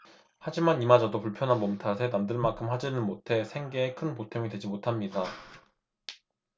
하지만 이마저도 불편한 몸 탓에 남들만큼 하지는못해 생계에 큰 보탬이 되지 못합니다